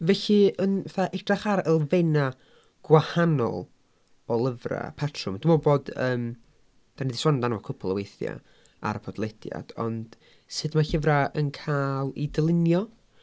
Felly yn fatha edrych ar elfennau gwahanol o lyfrau. Patrwm. Dwi'n meddwl bod yym dan ni 'di sôn amdano fo cwpl o weithiau ar y podlediad ond sut mae llyfrau yn cael eu dylunio?